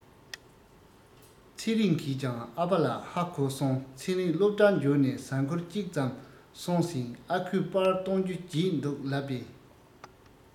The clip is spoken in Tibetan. ཚེ རིང གིས ཀྱང ཨ ཕ ལ ཧ གོ སོང ཚེ རིང སློབ གྲྭར འབྱོར ནས གཟའ འཁོར གཅིག ཙམ སོང ཟིན ཨ ཁུས པར བཏོན རྒྱུ བརྗེད འདུག ལབ པས